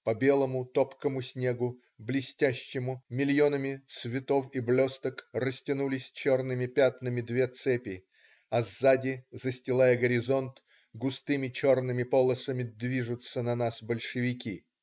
По белому, топкому снегу, блестящему миллионами цветов и блесток, растянулись черными пятнами две цепи, а сзади, застилая горизонт, густыми, черными полосами движутся на нас большевики.